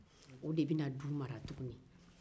o de bɛna du mara tuguni